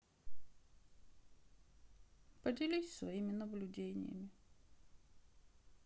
поделись своими наблюдениями